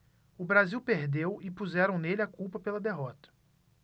o brasil perdeu e puseram nele a culpa pela derrota